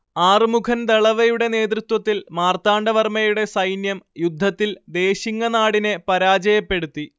ആറുമുഖൻ ദളവയുടെ നേതൃത്വത്തിൽ മാർത്താണ്ഡവർമ്മയുടെ സൈന്യം യുദ്ധത്തിൽ ദേശിങ്ങനാടിനെ പരാജയപ്പെടുത്തി